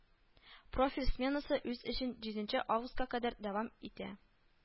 Профиль сменасы үз эшен җиденче августка кадәр дәвам итә